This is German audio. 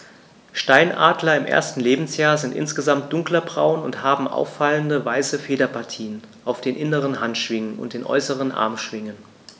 Steinadler im ersten Lebensjahr sind insgesamt dunkler braun und haben auffallende, weiße Federpartien auf den inneren Handschwingen und den äußeren Armschwingen.